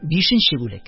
Бишенче бүлек